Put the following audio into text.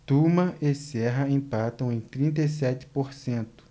tuma e serra empatam em trinta e sete por cento